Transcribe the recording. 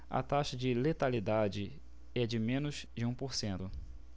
a taxa de letalidade é de menos de um por cento